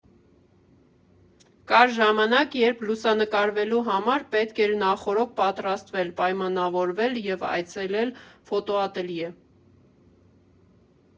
Կար ժամանակ, երբ լուսանկարվելու համար պետք էր նախօրոք պատրաստվել, պայմանավորվել և այցելել ֆոտոատելյե։